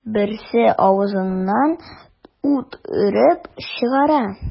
Берсе авызыннан ут өреп чыгара.